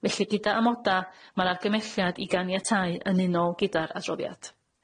Felly gyda amoda ma'r argymelliad i ganiatáu yn unol gyda'r adroddiad.